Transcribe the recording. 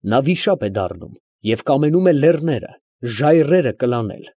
Նա վիշապ է դառնում և կամենում է լեռները, ժայռերը կլանել։